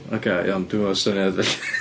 Ocê, iawn dwi'm hefo syniad felly.